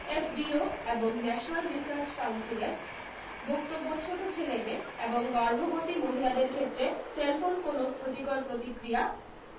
এফডিও এবং National Research কাউন্সিলের বক্তব্য ছোট ছেলেমেয়ে এবং গর্ভবতী মহিলাদের ক্ষেত্রে সেলফোন কোনও ক্ষতিকর প্রতিক্রিয়া